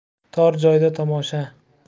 tor joyda tomosha